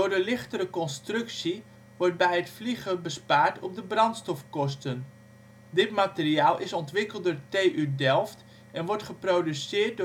de lichtere constructie wordt bij het vliegen bespaard op de brandstofkosten. Dit materiaal is ontwikkeld door de TU Delft en word geproduceerd